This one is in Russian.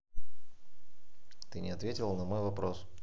ты не ответила на мой вопрос